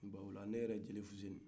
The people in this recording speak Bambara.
ola ne yɛrɛ jeli fuseni